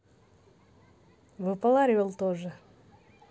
выпал орел тоже